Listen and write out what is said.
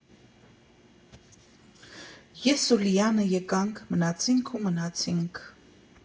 Ես ու Լիանը եկանք, մնացինք ու մնացինք։